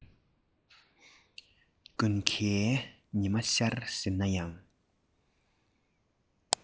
དགུན ཁའི ཉི མ ཤར ཟིན ནའང